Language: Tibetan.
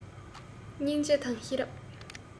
སྙིང རྗེ དང ཤེས རབ